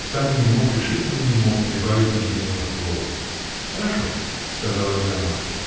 -- Санин не мог, решительно не мог прибавить ни единого слова. -- Хорошо, -- сказала Джемма.